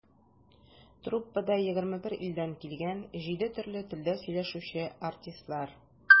Труппада - 21 илдән килгән, җиде төрле телдә сөйләшүче артистлар.